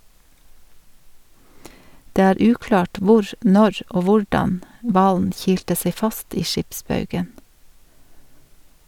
Det er uklart hvor, når og hvordan hvalen kilte seg fast i skipsbaugen.